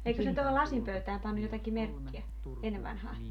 eikös ne tuohon lasinpöytään pannut jotakin merkkiä ennen vanhaan